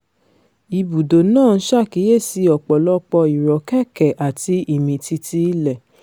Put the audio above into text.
Ibùdó náà ń ṣàkíyèsí ọ̀pọ̀lọpọ̀ àwọn ìrọ́kẹ̀kẹ̀ àti ìmìtìtì ilẹ̀.